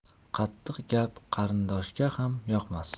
qattiq gap qarindoshga ham yoqmas